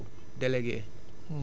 du def lu dul def demande rek